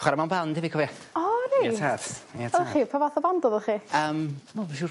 chwara mewn band hefyd cofia. O reit. Ia tad. Ia tad. Oddach chi pa fath o band oddoch chi? Yym wel fi siwr